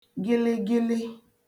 gịlịgịlị